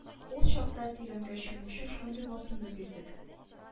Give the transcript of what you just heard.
Ул чакта тирәнгә чумучы шундый басымны бирдек